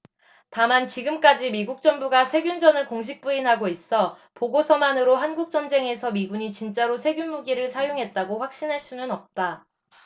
다만 지금까지 미국 정부가 세균전을 공식 부인하고 있어 보고서만으로 한국전쟁에서 미군이 진짜로 세균무기를 사용했다고 확신할 수는 없다